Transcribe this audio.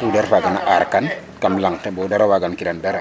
pudar faaga na aarkan kam lang ke bo lang ke bo dara waagankiran dara.